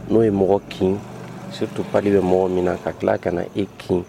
N'o ye mɔgɔ kin se to bɛ mɔgɔ min na ka tila a ka na e kin